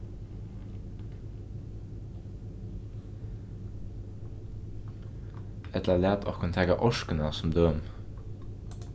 ella lat okkum taka orkuna sum dømi